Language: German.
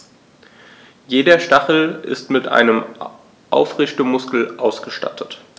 Jeder Stachel ist mit einem Aufrichtemuskel ausgestattet.